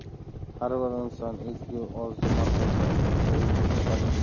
har bir inson ezgu orzu maqsadlarini ro'yobga